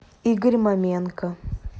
игорь маменко